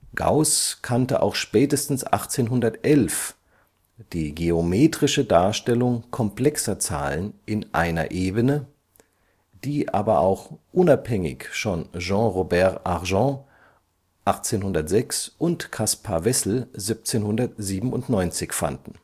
Gauß kannte auch spätestens 1811 die geometrische Darstellung komplexer Zahlen in einer Ebene (komplexe Zahlenebene, gaußsche Zahlenebene), die aber auch unabhängig schon Jean-Robert Argand 1806 und Caspar Wessel 1797 fanden